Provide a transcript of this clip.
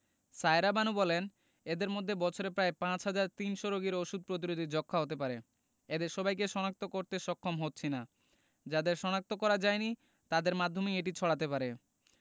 সায়েরা বানু বলেন এদের মধ্যে বছরে প্রায় ৫ হাজার ৩০০ রোগীর ওষুধ প্রতিরোধী যক্ষ্মা হতে পারে এদের সবাইকে শনাক্ত করতে সক্ষম হচ্ছি না যাদের শনাক্ত করা যায়নি তাদের মাধ্যমেই এটি ছড়াতে পারে